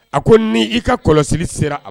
A ko ni i ka kɔlɔsi sera a